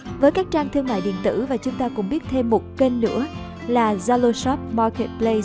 với các trang thương mại điện tử và chúng ta cũng biết thêm kênh nữa là zalo shop market place